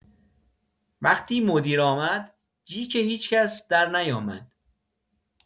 وقتی مدیر آمد جیک هیچکس درنیامد.